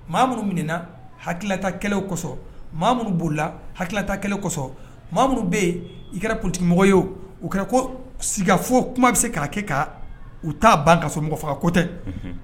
Mamudu minɛɛna halatakɛlaw kɔsɔ mamudu b bolila hakilikilata kɛlensɔ mamudu bɛ yen i kɛra pmɔgɔ ye u kɛra ko sigafo kuma bɛ se k'a kɛ ka u t' ban ka so mɔgɔ faga ko tɛ